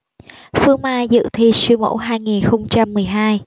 phương mai dự thi siêu mẫu hai nghìn không trăm mười hai